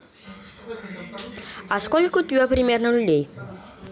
а сколько у тебя примерно людей